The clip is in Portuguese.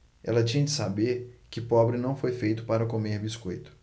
ela tinha de saber que pobre não foi feito para comer biscoito